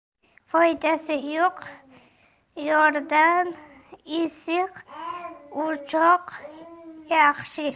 foydasi yo'q yordan issiq o'choq yaxshi